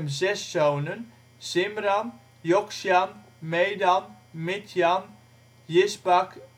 zes zonen: Zimran, Joksan, Medan, Midjan, Jisbak